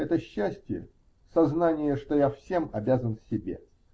Это счастье -- сознание, что я всем обязан себе.